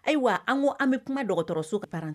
Ayiwa an ko an bɛ kuma dɔgɔtɔrɔ so ka baara na